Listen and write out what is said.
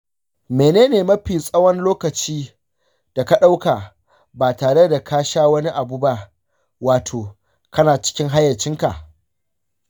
mene ne mafi tsawon lokaci da ka ɗauka ba tare da ka sha wani abu ba wato kana cikin hayyacinka?